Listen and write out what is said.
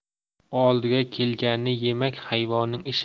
oldiga kelganni yemak hayvonning ishi